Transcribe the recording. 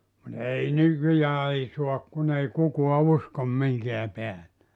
mutta ei nykyään ei saa kun ei kukaan usko minkään päälle